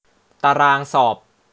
ตารางสอบ